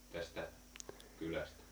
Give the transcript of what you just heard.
tästä kylästä